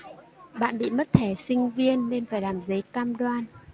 bạn bị mất thẻ sinh viên nên phải làm giấy cam đoan